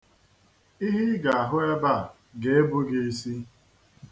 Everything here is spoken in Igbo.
Ihe Ị ga-ahụ ebe a ga-ebu gị isi.